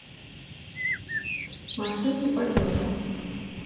машинки поделки